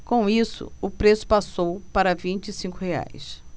com isso o preço passou para vinte e cinco reais